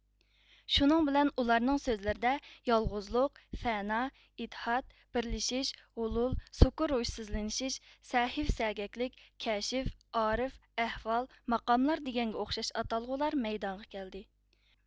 شۇنىڭ بىلەن ئۇلارنىڭ سۆزلىرىدە يالغۇزلۇق فەنا ئىتتىھاد بىرلىشىش ھۇلۇل سۇكرھوشسىزلىنىش سەھۋسەگەكلىك كەشف ئارىف ئەھۋال ماقاملار دېگەنگە ئوخشاش ئاتالغۇلار مەيدانغا كەلدى